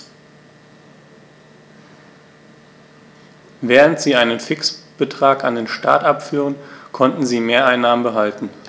Während sie einen Fixbetrag an den Staat abführten, konnten sie Mehreinnahmen behalten.